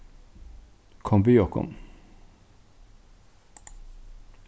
kom við okkum